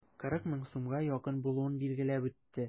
40 мең сумга якын булуын билгеләп үтте.